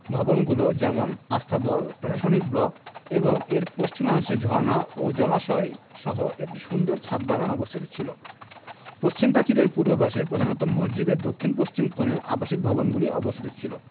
ভবনগুলি যেমন আস্তাবল প্রশাসনিক ব্লক এবং এর পশ্চিমাংশে ঝর্ণা ও জলাশয়সহ একটি সুন্দর ছাদ বাগান অবস্থিত ছিল পশ্চিম প্রাচীরের পূর্ব পাশে প্রধানত মসজিদের দক্ষিণ পশ্চিম কোণে আবাসিক ভবনগুলি অবস্থিত ছিল